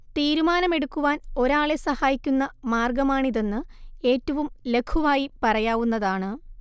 തീരുമാനമെടുക്കുവാൻ ഒരാളെ സഹായിക്കുന്ന മാർഗ്ഗമാണിതെന്ന് ഏറ്റവും ലഘുവായി പറയാവുന്നതാണ്